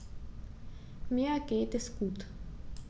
Mir geht es gut.